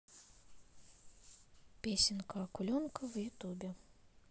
песенка акуленок в ютубе